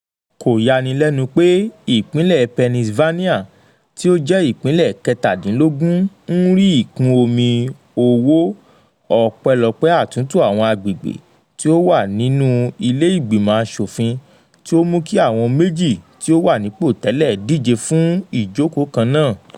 Kò yani lẹ́nu pé ìpínlẹ̀ Pennsylvania tí ó jẹ́ ìpínlẹ̀ kẹtàdínlógún ń rí ìkún omi owó, ọpẹ́lọpẹ́ àtúntò àwọn àgbègbè tí ó wà nínú ilé ìgbìmọ̀ aṣòfin tí ó mú kí àwọn méjì tí ó wà nípò tẹ́lẹ̀ díje fún ìjókòó kan náà.